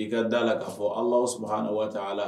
I ka da la k'a fɔ Alahu subahana wa taala